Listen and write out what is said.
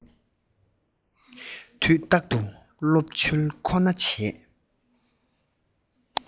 དུས རྟག ཏུ སློབ བྱོལ ཁོ ན བྱས